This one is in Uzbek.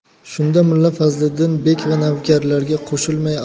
shunda mulla fazliddin bek va navkarlarga qo'shilmay